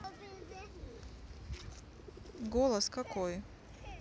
голос какой